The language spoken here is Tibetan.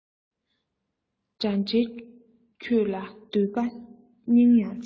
འདྲ འདྲའི ཁྲོད དུ སྡོད པ སྙིང ཡང རྗེ